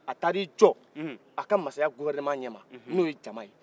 a taari' jɔ a ka masaya gouvernement ɲɛma n'o ye jama ye